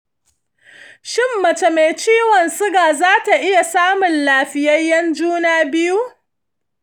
shin mace mai ciwon suga za ta iya samun lafiyayyen juna biyu?